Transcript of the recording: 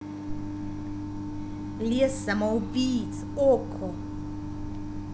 лес самоубийц okko